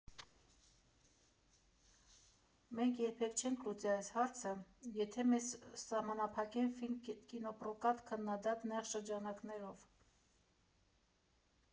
Մենք երբեք չենք լուծի այս հարցը, եթե մեզ սահմանափակեն «ֆիլմ֊կինոպրոկատ֊քննադատ» նեղ շրջանակներով։